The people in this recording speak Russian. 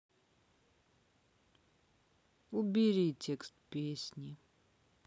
убери текст песни